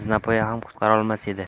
zinapoya ham qutqarolmas edi